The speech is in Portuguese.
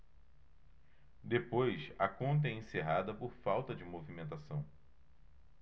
depois a conta é encerrada por falta de movimentação